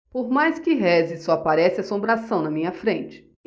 por mais que reze só aparece assombração na minha frente